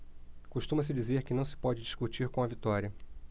costuma-se dizer que não se pode discutir com a vitória